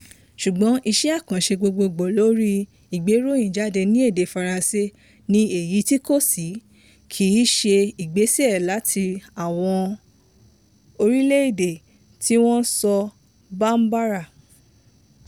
Ṣùgbọ́n iṣẹ́ àkànṣe gbogboogbò lórí ìgbéròyìnjáde ní èdè Faransé ni èyí tí kò sí kìí ṣe ìgbésẹ̀ láti àwọn orílẹ̀-èdè tí wọ́n ń sọ Bambara.